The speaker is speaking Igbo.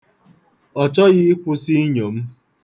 Ọ chọghị ịkwụsị inyo m.